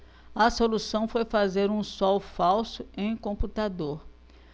a solução foi fazer um sol falso em computador